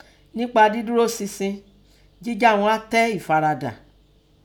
Nẹ́pa didurosinsin, jija un àtẹ ẹ̀farada